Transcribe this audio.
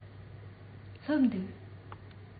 སླེབས འདུག